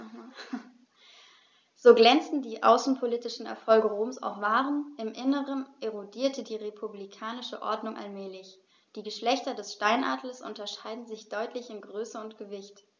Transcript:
So glänzend die außenpolitischen Erfolge Roms auch waren: Im Inneren erodierte die republikanische Ordnung allmählich. Die Geschlechter des Steinadlers unterscheiden sich deutlich in Größe und Gewicht.